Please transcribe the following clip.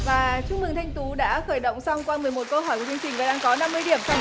và chúc mừng thanh tú đã khởi động xong qua mười một câu hỏi của chương trình và đang có năm mươi điểm sau